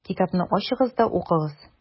Китапны ачыгыз да укыгыз: